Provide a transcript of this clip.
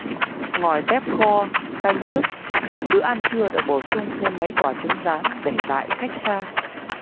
ngoài tép kho canh mướp bữa ăn trưa được bổ sung thêm mấy quả trứng rán để đãi khách xa